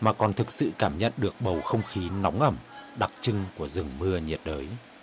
mà còn thực sự cảm nhận được bầu không khí nóng ẩm đặc trưng của rừng mưa nhiệt đới